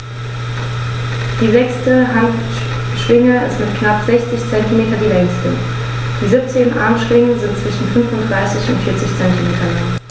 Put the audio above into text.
Die sechste Handschwinge ist mit knapp 60 cm die längste. Die 17 Armschwingen sind zwischen 35 und 40 cm lang.